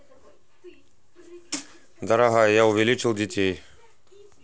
дорогая я увеличил детей